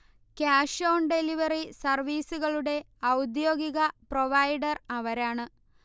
cash on delivery സർവ്വീസുകളുടെ ഔദ്യോഗിക provider അവരാണ്